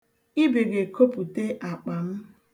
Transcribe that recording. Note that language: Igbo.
Ibe ga-ekopute akpa m.